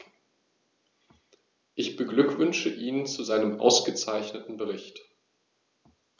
Ich beglückwünsche ihn zu seinem ausgezeichneten Bericht.